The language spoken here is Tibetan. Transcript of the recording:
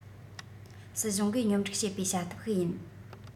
སྲིད གཞུང གིས སྙོམ སྒྲིག བྱེད པའི བྱ ཐབས ཤིག ཡིན